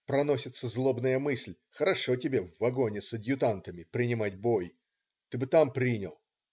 Проносится злобная мысль: хорошо тебе в вагоне с адъютантами "принимать бой". Ты бы там "принял".